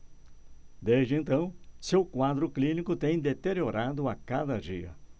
desde então seu quadro clínico tem deteriorado a cada dia